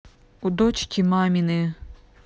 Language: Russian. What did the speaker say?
у дочки мамины